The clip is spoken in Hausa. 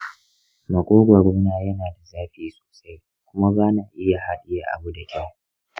makogwarona yana da zafi sosai kuma ba na iya haɗiye abu da kyau.